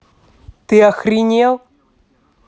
ты не охренел